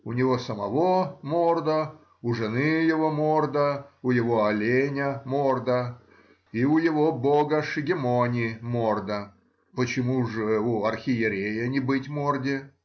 у него самого морда, у жены его морда, у его оленя морда, и у его бога Шигемони морда,— почему же у архиерея не быть морде?